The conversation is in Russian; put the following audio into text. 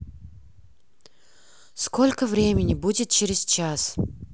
сколько времени будет через час